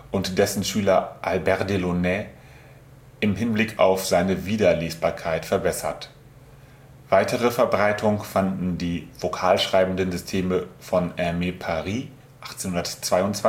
und dessen Schüler Albert Delaunay im Hinblick auf seine Wiederlesbarkeit verbessert. Weitere Verbreitung fanden die vokalschreibenden Systeme von Aimé Paris (1822) und von